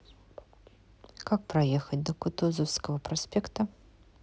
как проехать до кутузовского проспекта